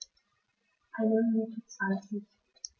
Eine Minute 20